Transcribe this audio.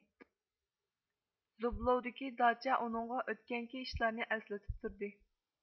زوبلوۋدىكى داچا ئۇنىڭغا ئۆتكەنكى ئىشلارنى ئەسلىتىپ تۇردى